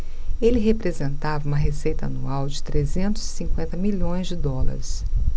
ele representava uma receita anual de trezentos e cinquenta milhões de dólares